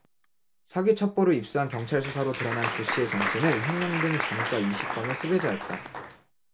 사기 첩보를 입수한 경찰 수사로 드러난 조씨의 정체는 횡령 등 전과 이십 범의 수배자였다